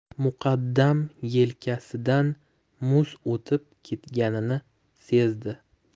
muqaddam yelkasidan muz o'tib ketganini sezdi